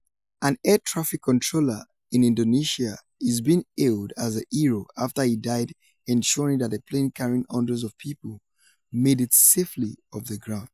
An air traffic controller in Indonesia is being hailed as a hero after he died ensuring that a plane carrying hundreds of people made it safely off the ground.